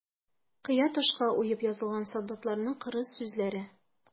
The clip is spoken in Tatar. Кыя ташка уеп язылган солдатларның кырыс сүзләре.